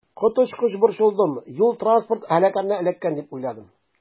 Коточкыч борчылдым, юл-транспорт һәлакәтенә эләккән дип уйладым.